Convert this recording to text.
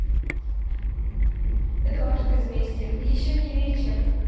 эдуард изместьев еще не вечер